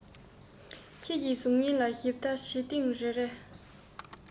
ཁྱེད ཀྱི གཟུགས བརྙན ལ ཞིབ ལྟ བྱེད ཐེངས རེར